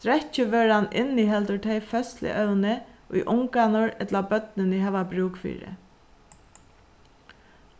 drekkivøran inniheldur tey føðsluevni ið ungarnir ella børnini hava brúk fyri